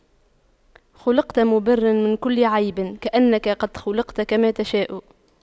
خلقت مُبَرَّأً من كل عيب كأنك قد خُلقْتَ كما تشاء